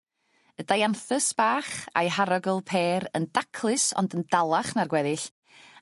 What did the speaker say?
Y dianthus bach a'i harogl pêr yn daclus ond yn dalach na'r gweddill